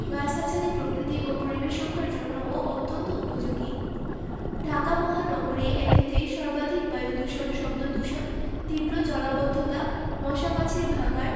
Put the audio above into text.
গাছগাছালি প্রকৃতি ও পরিবেশ রক্ষার জন্যও অত্যন্ত উপযোগী ঢাকা মহানগরী এমনিতেই সর্বাধিক বায়ুদূষণ শব্দদূষণ তীব্র জলাবদ্ধতা মশা মাছির ভাঁগাড়